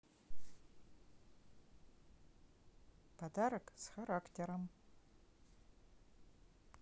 подарок с характером